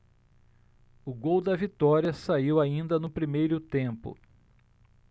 o gol da vitória saiu ainda no primeiro tempo